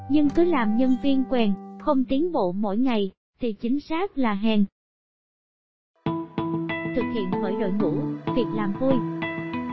nhưng cứ làm nhân viên quèn không tiến bộ mỗi ngày thì chính xác là hèn thực hiện bởi đội ngũ việc làm vui